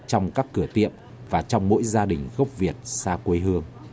trong các cửa tiệm và trong mỗi gia đình gốc việt xa quê hương